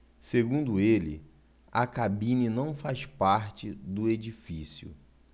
segundo ele a cabine não faz parte do edifício